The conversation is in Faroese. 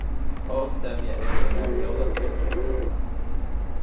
ósemja er um nær jólatræið skal pyntast